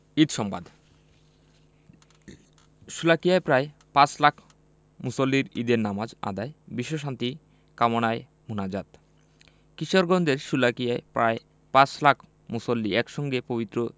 ঈদ সংবাদ শোলাকিয়ায় প্রায় পাঁচ লাখ মুসল্লির ঈদের নামাজ আদায় বিশ্বশান্তি কামনায় মোনাজাত কিশোরগঞ্জের শোলাকিয়ায় প্রায় পাঁচ লাখ মুসল্লি একসঙ্গে পবিত্র